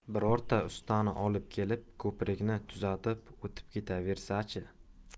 birorta ustani olib kelib ko'prikni tuzatib o'tib ketaversa chi